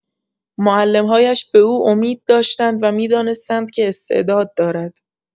معلم‌هایش به او امید داشتند و می‌دانستند که استعداد دارد.